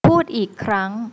พูดอีกครั้ง